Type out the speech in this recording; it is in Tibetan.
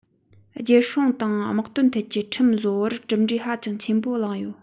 རྒྱལ སྲུང དང དམག དོན ཐད ཀྱི ཁྲིམས བཟོ བར གྲུབ འབྲས ཧ ཅང ཆེན པོ བླངས ཡོད